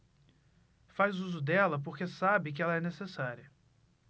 faz uso dela porque sabe que ela é necessária